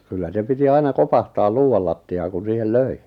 kyllä se piti aina kopahtaa luudalla lattiaan kun siihen löi